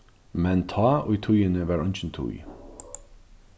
men tá í tíðini var eingin tíð